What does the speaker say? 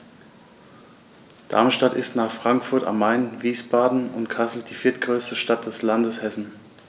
Darmstadt ist nach Frankfurt am Main, Wiesbaden und Kassel die viertgrößte Stadt des Landes Hessen